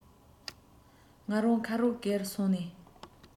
ང རང ཁ རོག གེར སོང ནས